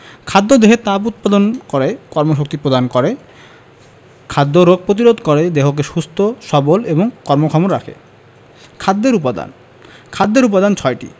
খাদ্য দেহে তাপ উৎপাদন করে কর্মশক্তি প্রদান করে খাদ্য রোগ প্রতিরোধ করে দেহকে সুস্থ সবল এবং কর্মক্ষম রাখে খাদ্যের উপাদান খাদ্যের উপাদান ছয়টি